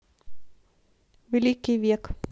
великий век